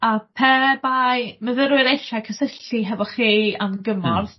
a pe bai myfyrwyr eisiau cysylltu hefo chi am gymorth... Hmm.